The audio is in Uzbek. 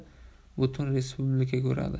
butun respublika ko'radi